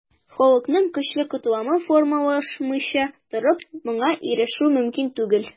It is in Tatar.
Халыкның көчле катламы формалашмыйча торып, моңа ирешү мөмкин түгел.